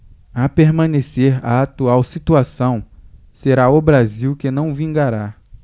a permanecer a atual situação será o brasil que não vingará